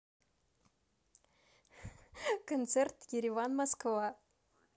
концерт ереван москва